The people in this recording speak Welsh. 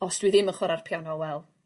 os dw i ddim yn chwara'r piano wel